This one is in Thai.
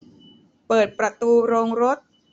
เปิดประตูโรงรถ